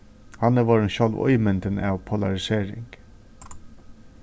hann er vorðin sjálv ímyndin av polarisering